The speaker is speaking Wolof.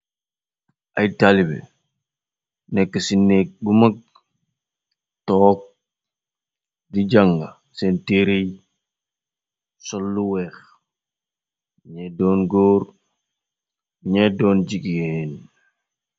Ay taalibe nekk ci nékk bu mag, toog di jànga sen tiiriy sol lu weex, ñee doon góor ñee doon jigeen.